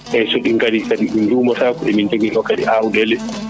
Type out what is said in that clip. eyyi soɗi gari kadi ɗi duumotako emin jogui ɗo kadi awɗele